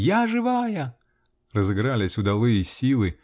Я живая!" Разыгрались удалые силы.